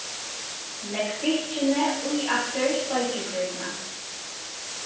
legg stykkini í aftur steikigrýtuna